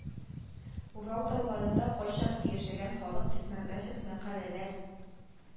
Урал тауларында кайчандыр яшәгән халык этнографик мәкаләләр